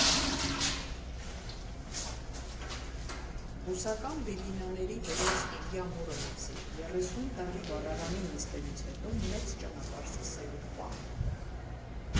Ռուսական բիլինաների հերոս Իլյա Մուրոմեցի՝ երեսուն տարի վառարանին նստելուց հետո մեծ ճանապարհ սկսելու պահը…